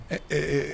Ɛ ee